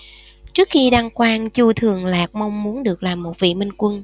trước khi đăng quang chu thường lạc mong muốn được làm một vị minh quân